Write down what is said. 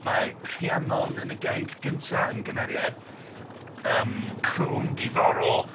Mae Rhiannon yn y gainc gyntaf yn gymeriad yym crwn, diddorol.